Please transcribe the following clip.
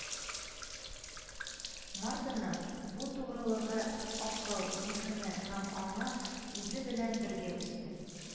«марта»ның бу тугрылыгы, акыл, зиһене һәм аңы үзе белән бергә үсте